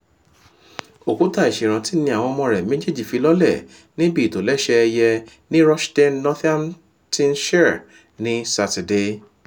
Òkúta ìṣèrántí ní àwọn ọmọ rẹ̀ méjèèjì fi lọ́lẹ̀ ní ibi ìtólẹ́ṣẹ́ ẹ̀yẹ ní Rushden, Northamptonshire, ní Sátidé.